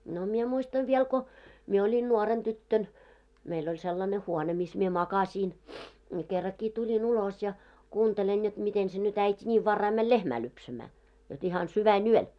no minä muistan vielä kun minä olin nuorena tyttönä meillä oli sellainen huone missä minä makasin niin kerrankin tulin ulos ja kuuntelen jotta miten se nyt äiti niin varhain meni lehmää lypsämään jotta ihan sydänyöllä